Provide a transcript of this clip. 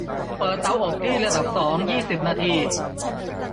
เปิดเตาอบที่ระดับสองยี่สิบนาที